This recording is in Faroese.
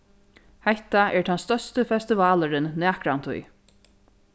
hetta er tann størsti festivalurin nakrantíð